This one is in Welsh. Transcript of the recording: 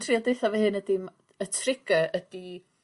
trio deutho fy hun ydi m- y trigger ydi